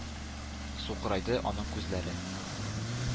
Сукырайды аның күзләре.